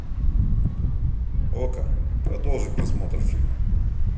окко продолжить просмотр фильма